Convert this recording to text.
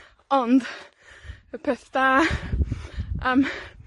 Ond, y peth da, am,